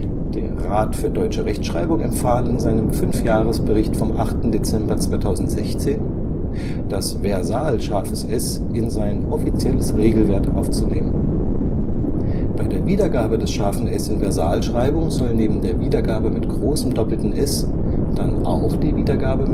Der Rat für deutsche Rechtschreibung empfahl in seinem 5-Jahres-Bericht vom 8. Dezember 2016, das Versal-ß in sein offizielles Regelwerk aufzunehmen. Bei der Wiedergabe des ß in Versalschreibung soll neben der Wiedergabe mit SS dann auch die Wiedergabe